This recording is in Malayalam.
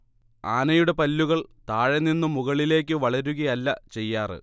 ആനയുടെ പല്ലുകൾ താഴെനിന്നു മുകളിലേക്ക് വളരുകയല്ല ചെയ്യാറ്